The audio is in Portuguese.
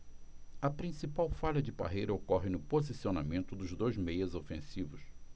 a principal falha de parreira ocorre no posicionamento dos dois meias ofensivos